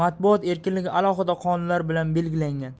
matbuot erkinligi alohida qonunlar bilan belgilangan